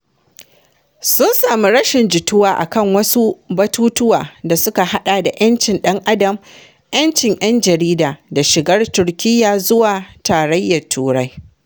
Sun sami rashin jituwa a kan wasu batutuwa da suka haɗa da ‘yancin ɗan Adam, ‘yancin ‘yan jarida da shigar Turkiyyar zuwa Tarayyar Turai.